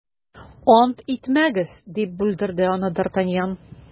- ант итмәгез, - дип бүлдерде аны д’артаньян.